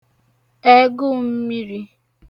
ẹgụụ̄ mmiri